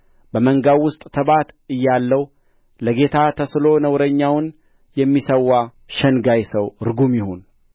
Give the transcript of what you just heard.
በመንጋው ውስጥ ተባት እያለው ለጌታ ተስሎ ነውረኛውን የሚሠዋ ሸንጋይ ሰው ርጉም ይሁን